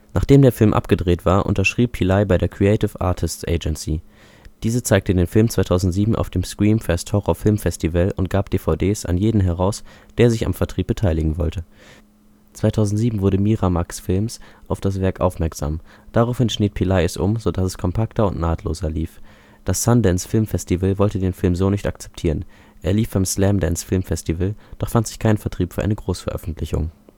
Nachdem der Film abgedreht war, unterschrieb Peli bei der Creative Artists Agency. Diese zeigte den Film 2007 auf dem Screamfest Horror Film Festival und gab DVDs an jeden heraus, der sich am Vertrieb beteiligen wollte. 2007 wurde Miramax Films auf das Werk aufmerksam. Daraufhin schnitt Peli es um, sodass es kompakter und nahtloser lief. Das Sundance Film Festival wollte den Film so nicht akzeptieren; er lief beim Slamdance Film Festival, doch fand sich kein Vertrieb für eine Großveröffentlichung